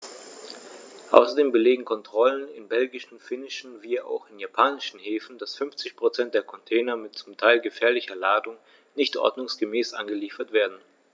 Außerdem belegen Kontrollen in belgischen, finnischen wie auch in japanischen Häfen, dass 50 % der Container mit zum Teil gefährlicher Ladung nicht ordnungsgemäß angeliefert werden.